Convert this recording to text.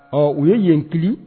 Ɔ u ye yen kili.